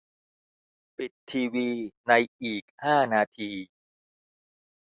ปิดทีวีในอีกห้านาที